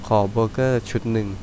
ขอเบอร์เกอร์ชุดหนึ่ง